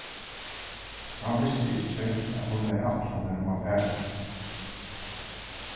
hann visti ikki at hon hevði ætlanir um at fara